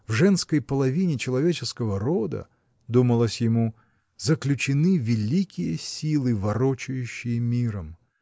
В женской половине человеческого рода, — думалось ему, — заключены великие силы, ворочающие миром.